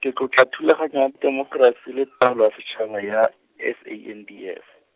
ke tlotla thulaganyo ya temokerasi le taolo ya setšhaba ya, S A N D F.